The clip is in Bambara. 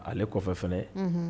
Ale kɔfɛ fɛnɛ unhun